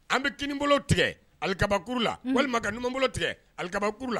An bɛ kini bolo tigɛ ali kabakuru la walima ka n ɲuman bolo tigɛ ali kababakuru la